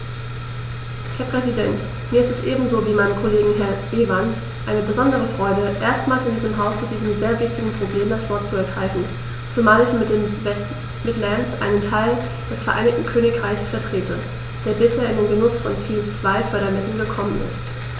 Herr Präsident, mir ist es ebenso wie meinem Kollegen Herrn Evans eine besondere Freude, erstmals in diesem Haus zu diesem sehr wichtigen Problem das Wort zu ergreifen, zumal ich mit den West Midlands einen Teil des Vereinigten Königreichs vertrete, der bisher in den Genuß von Ziel-2-Fördermitteln gekommen ist.